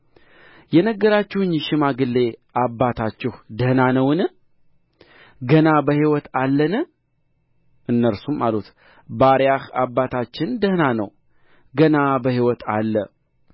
የነገራችሁኝ ሽማግሌ አባታችሁ ደኅና ነውን ገና በሕይወት አለን እነርሱም አሉት ባሪያህ አባታችን ደኅና ነው ገና በሕይወት አለ